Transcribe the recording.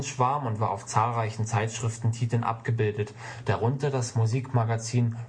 zahlreichen Zeitschriftentiteln abgebildet, darunter das Musikmagazin